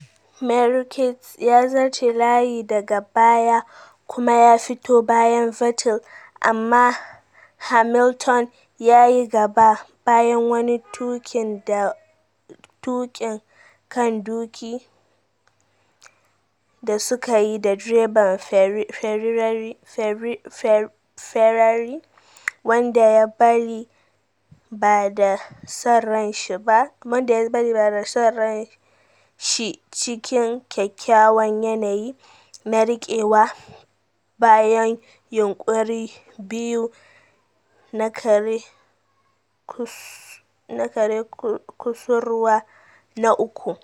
Mercedes ya zarce layi daga baya kuma ya fito bayan Vettel, amma Hamilton ya yi gaba bayan wani tukin kan duki da sukayi da direban Ferrari wanda ya bari ba da son ran shi cikin kyakkyawan yanayi na rike wa bayan yunkuri-biyu na kare kusurwa na uku.